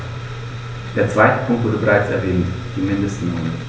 Der zweite Punkt wurde bereits erwähnt: die Mindestnormen.